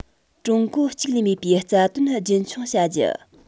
ཀྲུང གོ གཅིག ལས མེད པའི རྩ དོན རྒྱུན འཁྱོངས བྱ རྒྱུ